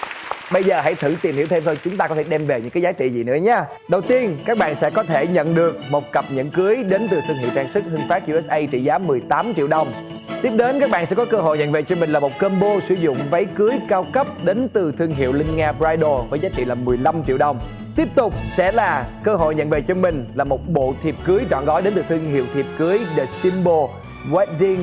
bây giờ hãy thử tìm hiểu thêm chúng ta có thể đem về những giá trị gì nữa nha đầu tiên các bạn sẽ có thể nhận được một cặp nhẫn cưới đến từ thương hiệu trang sức hợp tác giữa ét ây trị giá mười tám triệu đồng tiếp đến các bạn sẽ có cơ hội giành về cho mình là một com bo sử dụng váy cưới cao cấp đến từ thương hiệu linh nga pờ rai đồ với giá trị là mười lăm triệu đồng tiếp tục sẽ là cơ hội nhận về cho mình là một bộ thiệp cưới trọn gói đến từ thương hiệu thiệp cưới đề xin bồ goét đinh